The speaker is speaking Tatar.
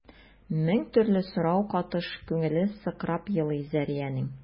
Мең төрле сорау катыш күңеле сыкрап елый Зәриянең.